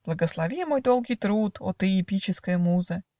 Благослови мой долгий труд, О ты, эпическая муза!